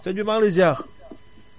sëñ bi maa ngi lay ziyaar